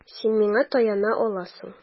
Син миңа таяна аласың.